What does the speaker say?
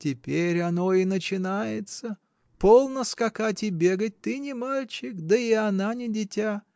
— Теперь оно и начинается: полно скакать и бегать, ты не мальчик, да и она не дитя.